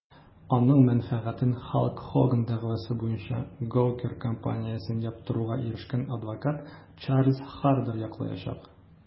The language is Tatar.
Аның мәнфәгатен Халк Хоган дәгъвасы буенча Gawker компаниясен яптыруга ирешкән адвокат Чарльз Хардер яклаячак.